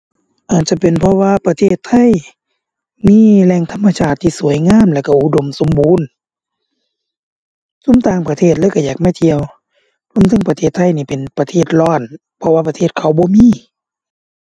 อาจจะเป็น เพราะว่าประเทศไทยมีแหล่งธรรมชาติที่สวยงามแล้วก็อุดมสมบูรณ์ ซุมต่างประเทศเลยก็อยากมาเที่ยว เบิ่งเทิงประเทศไทยนี่เป็นประเทศร้อน เพราะว่าประเทศเขาบ่มี